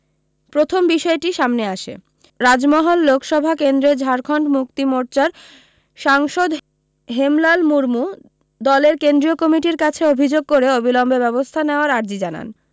প্রথম বিষয়টি সামনে আসে রাজমহল লোকসভা কেন্দ্রের ঝাড়খণ্ড মুক্তি মোর্চার সাংসদ হেমলাল মুর্মু দলের কেন্দ্রীয় কমিটির কাছে অভি্যোগ করে অবিলম্বে ব্যবস্থা নেওয়ার আর্জি জানান